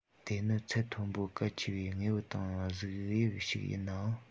དེ ནི ཚད མཐོན པོར གལ ཆེ བའི ངོ བོ དང གཟུགས དབྱིབས ཤིག ཡིན ནའང